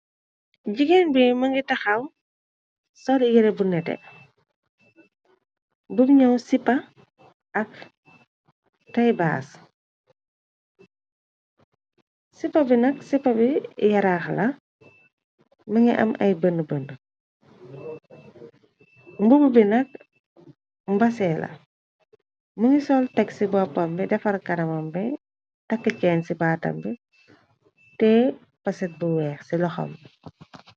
Jigeen bi mëngi taxaw, sol yere bu nete, bum ñëw sipa ak teybaas, sipa bi nak sipa bi yaraax la, më ngi am ay bënn-bënn, mbubu bi nak mbasee la, më ngi sol teg ci boppam bi, defar kanamam bi, takk cenn ci baatam bi, tiye paset bu weex ci loxom bi.